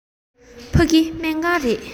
ཕ གི སྨན ཁང རེད